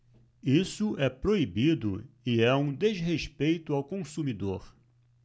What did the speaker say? isso é proibido e é um desrespeito ao consumidor